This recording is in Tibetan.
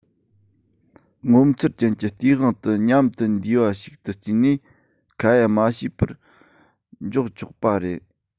ངོ མཚར ཅན གྱི སྟེས དབང དུ མཉམ དུ འདུས པ ཞིག ཏུ བརྩིས ནས ཁ ཡ མ བྱས པར འཇོག ཆོག པ རེད